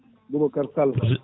Boubacar Sall